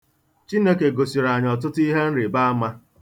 Chineke gosiri anyị ọtụtụ ihe nrịbaama.